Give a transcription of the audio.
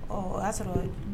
Ɔ o y'a sɔrɔ